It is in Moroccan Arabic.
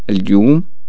ليوم